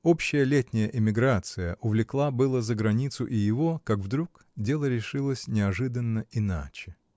Общая летняя эмиграция увлекла было за границу и его, как вдруг дело решилось неожиданно иначе.